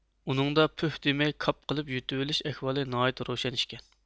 ئۇنىڭدا پۈف دېمەي كاپ قىلىپ يۇتۇۋېلىش ئەھۋالى ناھايىتى روشەن ئىكەن